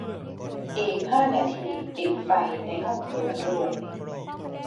อีกห้านาทีปิดไฟในห้องครัวด้วย